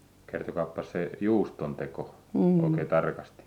kertokaapas se juuston teko oikein tarkasti